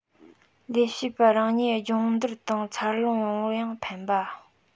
ལས བྱེད པ རང ཉིད སྦྱོང བརྡར དང འཚར ལོངས ཡོང བར ཡང ཕན པ